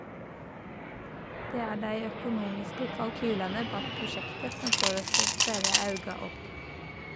Det er dei økonomiske kalkylane bak prosjektet som får oss til å sperra auga opp.